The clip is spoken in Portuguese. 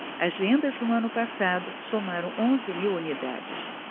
as vendas no ano passado somaram onze mil unidades